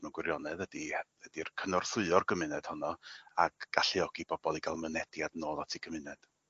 mewn gwirionedd ydi ydi'r cynorthwyo'r gymuned honno ac galluogi bobol i ga'l mynediad nôl at 'u cymuned.